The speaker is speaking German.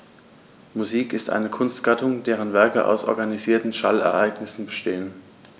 Musik ist eine Kunstgattung, deren Werke aus organisierten Schallereignissen bestehen.